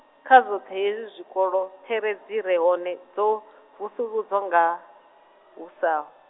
kha zwoṱhe hezwi zwikolo, phera dzi re hone, dzo vusuludzwa nga, husaw.